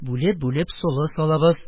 Бүлеп-бүлеп солы салабыз,